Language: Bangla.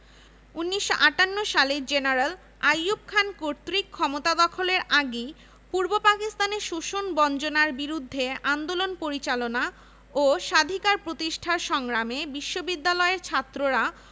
দেশের জনগণের সঙ্গে এক হয়ে ছাত্ররা দীর্ঘ নয় মাসব্যাপী স্বাধীনতা যুদ্ধে লিপ্ত হয়